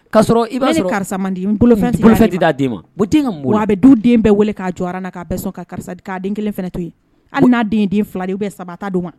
Kasɔrɔ i'a karisa man di bolo d' ma a bɛ du den bɛɛ wele k'a jɔyara na k'a sɔn ka karisa'a den kelen to yen hali n'a den den fila u bɛ saba ta don ma